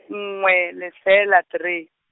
nngwe, lefela, three.